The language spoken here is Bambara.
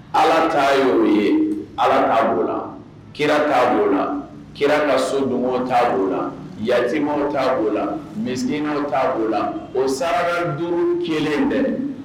Ala ta yo ye. Ala ta bo la, Kira ta bo la . Kira ka so donwo ta bo la , Yaimɛw ta bo la , Misikinɛw ta bo la . O saraka 5 kelen dɛ